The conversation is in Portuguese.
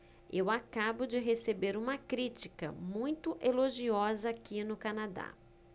eu acabo de receber uma crítica muito elogiosa aqui no canadá